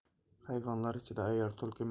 hayvonlar ichida ayyori tulki